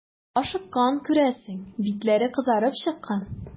Ашыккан, күрәсең, битләре кызарып чыккан.